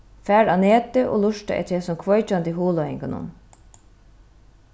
far á netið og lurtað eftir hesum kveikjandi hugleiðingunum